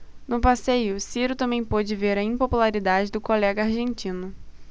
no passeio ciro também pôde ver a impopularidade do colega argentino